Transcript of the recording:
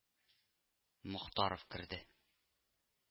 Мохтаров керде